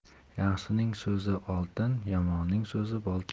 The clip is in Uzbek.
yaxshining so'zi oltin yomonning so'zi bolta